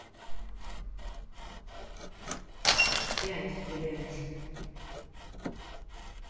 пять блять